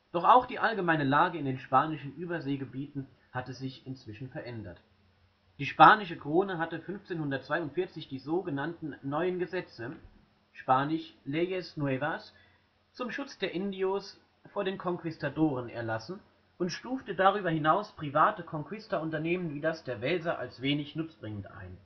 auch die allgemeine Lage in den spanischen Überseegebieten hatte sich inzwischen verändert. Die spanische Krone hatte 1542 die sogenannten „ Neuen Gesetze “(span. Leyes Nuevas) zum Schutz der Indios vor den Konquistadoren erlassen und stufte darüber hinaus private Konquista-Unternehmen wie das der Welser als wenig nutzbringend ein